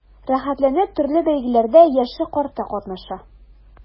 Рәхәтләнеп төрле бәйгеләрдә яше-карты катнаша.